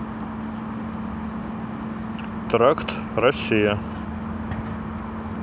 тракт россия